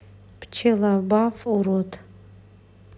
пчелобав урод